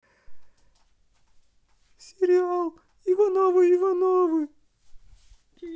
сериал ивановы ивановы